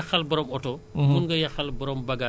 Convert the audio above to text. ñun am nan ndàmpaay bi ñuy jox ki nga tooñ